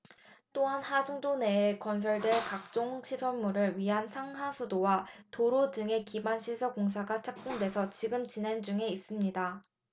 또한 하중도 내에 건설될 각종 시설물을 위한 상하수도와 도로 등의 기반시설 공사가 착공돼서 지금 진행 중에 있습니다